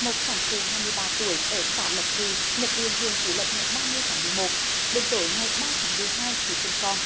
một sản phụ hai mươi ba tuổi ở xã lộc trì nhập viện huyện phú lộc ngày ba mươi tháng mười một đến tối ngày ba tháng mười hai thì sinh con